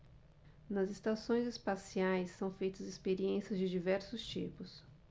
nas estações espaciais são feitas experiências de diversos tipos